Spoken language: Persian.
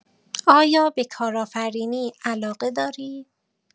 آیا به کارآفرینی علاقه داری؟